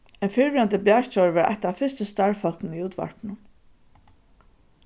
ein fyrrverandi blaðstjóri var eitt av fyrstu starvsfólkunum í útvarpinum